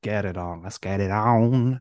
Get it on. Let's get it on!